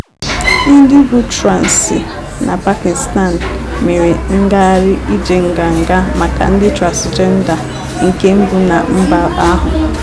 Ndị bụ traansị na Pakistan mere ngagharị ije Nganga maka Ndị Transịjenda nke mbụ na mba ahụ.